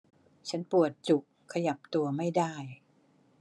ฉันปวดจุกขยับตัวไม่ได้